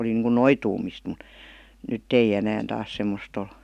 oli niin kuin noitumista mutta nyt ei enää taas semmoista ole